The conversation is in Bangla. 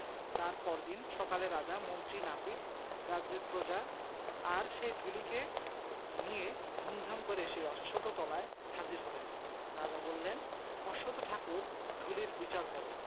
তার পরদিন সকালে রাজা মন্ত্রী নাপিত রাজ্যের প্রজা আর সেই চুলিকে নিয়ে ধুমধাম করে সেই অশ্বত্থতলায় হাজির হলেন রাজা বললেন অশ্বত্থ ঠাকুর ঢুলির বিচার কর